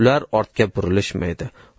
ular ortga burilishmaydi